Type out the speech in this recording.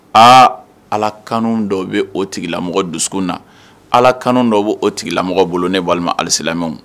Aa ala kan dɔw bɛ o tigilamɔgɔ dusu na ala kan dɔw b bɛ oo tigilamɔgɔ bolo ne walima alisala